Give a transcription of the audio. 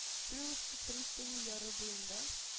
Шиловка пристане яры буенда